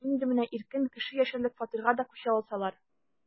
Инде менә иркен, кеше яшәрлек фатирга да күчә алсалар...